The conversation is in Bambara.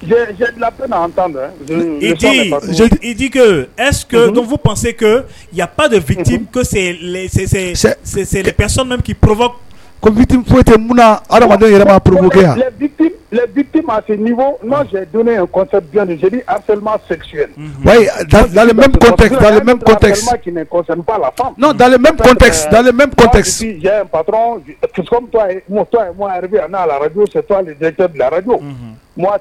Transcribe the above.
Ji ɛsfu pase de fittipmɛ bɛ poropbit foyite mu ala yɛrɛ' porop yanjj